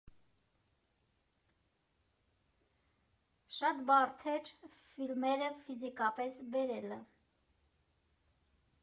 Շատ բարդ էր ֆիլմերը ֆիզիկապես բերելը։